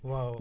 waaw